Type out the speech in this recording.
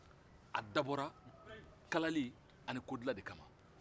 a dabɔra kalali ani kodilan de kama